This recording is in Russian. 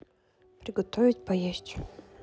приготовить поесть